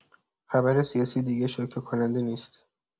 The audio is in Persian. خبر سیاسی دیگه شوکه‌کننده نیست.